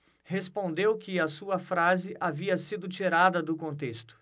respondeu que a sua frase havia sido tirada do contexto